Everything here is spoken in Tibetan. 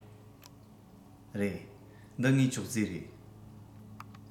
རེད འདི ངའི ཅོག ཙེ རེད